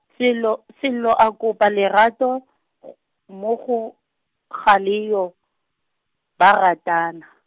Sello Sello a kopa lerato, g- mo go, Galeyo, ba ratana.